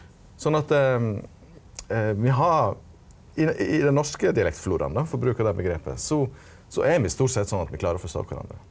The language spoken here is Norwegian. sånn at me har i i den norske dialektfloraen då for å bruka det omgrepet so er me stort sett sånn at me klarar å forstår kvarandre.